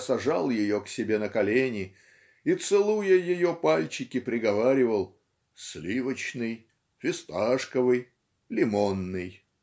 я сажал ее к себе на колени и целуя ее пальчики приговаривал сливочный. фисташковый. лимонный.